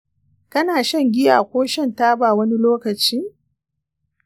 kana shan giya ko shan taba wani lokaci?